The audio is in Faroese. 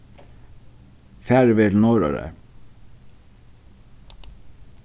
farið verður til norðoyrar